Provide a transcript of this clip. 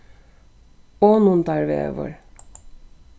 onundarvegur